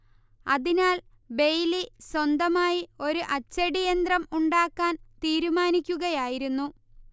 അതിനാൽ ബെയ്ലി സ്വന്തമായി ഒരു അച്ചടിയന്ത്രം ഉണ്ടാക്കാൻ തീരുമാനിക്കുകയായിരുന്നു